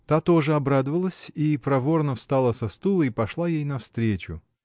Та тоже обрадовалась и проворно встала со стула и пошла ей навстречу.